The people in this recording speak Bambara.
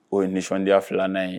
O ye nisɔndiya filanan ye